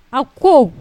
A ko